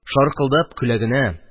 Шаркылдап көлә генә.